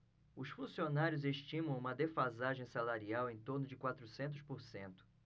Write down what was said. os funcionários estimam uma defasagem salarial em torno de quatrocentos por cento